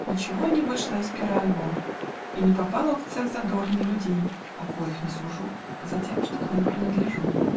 ничего Не вышло из пера его, И не попал он в цех задорный Людей, о коих не сужу, Затем, что к ним принадлежу.